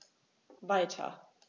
Weiter.